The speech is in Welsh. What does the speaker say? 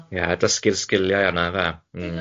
Ie dysgu'r sgilie yna yfe mm.